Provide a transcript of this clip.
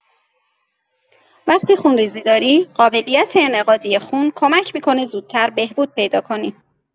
وقتی خونریزی داری، قابلیت انعقادی خون کمک می‌کنه زودتر بهبود پیدا کنی.